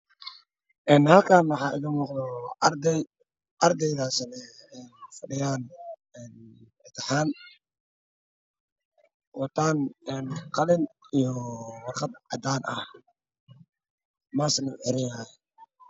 Halkaan waxaa iaga muuqda ardey ardeydasoo fadhiyaan imtixaan wataan qlimaan iyo warqad cadaan ah maasna uxiranyahay